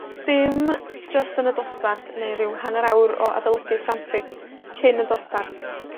Dim jyst yn y dosbarth, neu ryw hanner awr o adolygu frantic cyn y dosbarth.